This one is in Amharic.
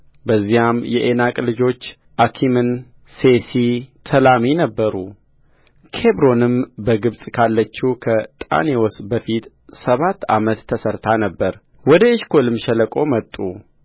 በዚያም የዔናቅ ልጆች አኪመን ሴሲ ተላሚ ነበሩ ኬብሮንም በግብፅ ካለችው ከጣኔዎስ በፊት ሰባት ዓመት ተሠርታ ነበርወደ ኤሽኮልም ሸለቆ መጡ